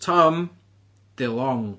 Tom DeLonge.